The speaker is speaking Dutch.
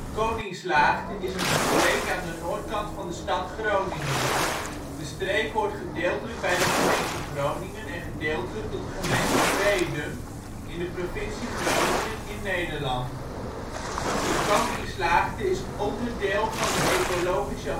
Koningslaagte is een streek aan de noordkant van de stad Groningen. De streek hoort gedeeltelijk bij de gemeente Groningen en gedeeltelijk tot de gemeente Bedum in de provincie Groningen in Nederland. De Koningslaagte is onderdeel van de Ecologische